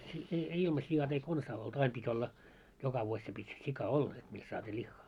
ei ei ilma siat ei konsa oltu aina piti olla joka vuosi se piti sika olla että mistä saatiin lihaa